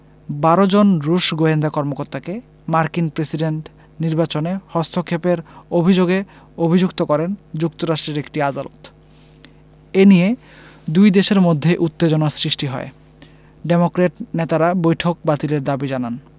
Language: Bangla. ১২ জন রুশ গোয়েন্দা কর্মকর্তাকে মার্কিন প্রেসিডেন্ট নির্বাচনে হস্তক্ষেপের অভিযোগে অভিযুক্ত করেন যুক্তরাষ্ট্রের একটি আদালত এ নিয়ে দুই দেশের মধ্যে উত্তেজনা সৃষ্টি হয় ডেমোক্র্যাট নেতারা বৈঠক বাতিলের দাবি জানান